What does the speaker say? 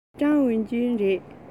ཀྲང ཝུན ཅུན རེད